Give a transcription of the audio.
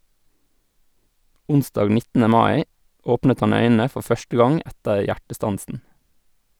Onsdag 19. mai åpnet han øynene for første gang etter hjertestansen.